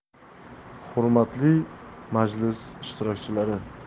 hurmatli majlis ishtirokchilari